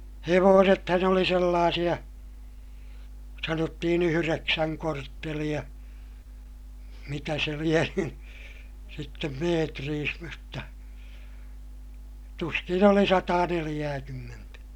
hevosethan oli sellaisia sanottiin yhdeksän korttelia mitä se lie nyt sitten metreissä mutta tuskin oli sataaneljääkymmentä